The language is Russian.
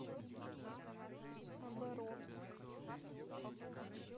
оборот